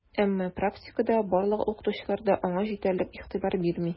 Әмма практикада барлык укытучылар да аңа җитәрлек игътибар бирми: